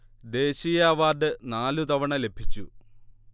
ദേശീയ അവാർഡ് നാലു തവണ ലഭിച്ചു